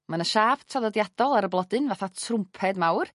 Ma' 'na siâp traddodiadol ar y blodyn fatha trwmped mawr